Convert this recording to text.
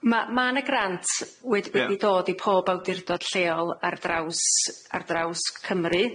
Ma' ma' 'ne grant wed-... Ia.... wedi dod i pob awdurdod lleol ar draws ar draws Cymru.